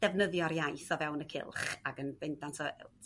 defnyddio'r iaith o fewn y cylch ac yn bendant